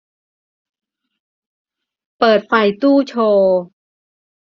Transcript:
เปิดไฟตู้โชว์